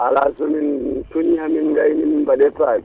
ala somin coŋi hamin gayni min mbaɗe paabi